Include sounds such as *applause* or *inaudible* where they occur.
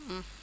*hesitation*